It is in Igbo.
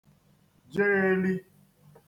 jegheli